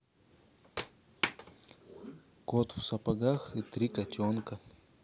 кот в сапогах и три котенка